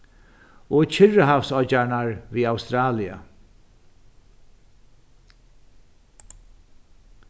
og kyrrahavsoyggjarnar við australia